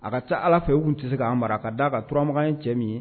A ka taa ala fɛ u tun tɛ se k'an mara ka d'a ka turama ye cɛ min ye